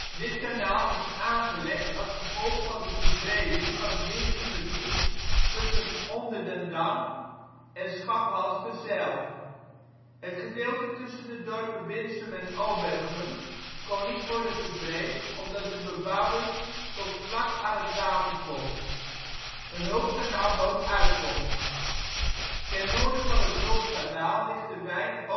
Dit kanaal is aangelegd als gevolg van de verbreding van het Winsumerdiep tussen Onderdendam en Schaphalsterzijl. Het gedeelte tussen de dorpen Winsum en Obergum kon niet worden verbreed, omdat de bebouwing tot vlak aan het water komt. Een " hulpkanaal " bood uitkomst. Ten noorden van het Hulpkanaal ligt de wijk